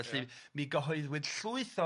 felly mi gyhoeddwyd llwyth o